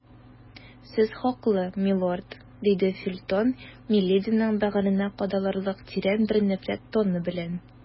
Сез хаклы, милорд, - диде Фельтон милединың бәгыренә кадалырлык тирән бер нәфрәт тоны белән.